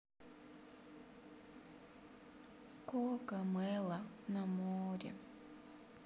кока мэла на море